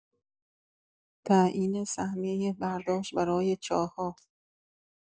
تعیین سهمیۀ برداشت برای چاه‌ها